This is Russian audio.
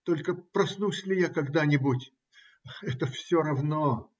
Только проснусь ли я когда-нибудь? Это все равно.